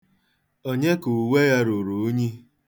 Onye ka uwe ya ruru unyi?